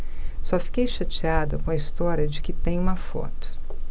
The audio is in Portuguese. só fiquei chateada com a história de que tem uma foto